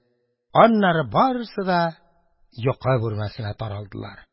Аннары барысы да йокы бүлмәләренә таралдылар.